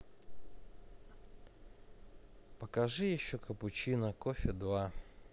положи еще капучино кофе два